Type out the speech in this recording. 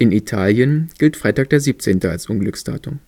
Italien gilt Freitag der 17. als Unglücksdatum